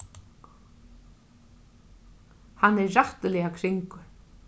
hann er rættiliga kringur